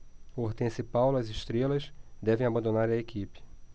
hortência e paula as estrelas devem abandonar a equipe